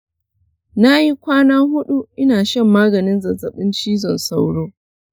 na yi kwana huɗu ina shan maganin zazzaɓin cizon sauro.